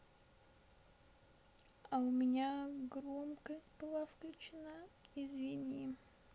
а у меня громкость была выключена извини